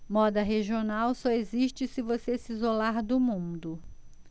moda regional só existe se você se isolar do mundo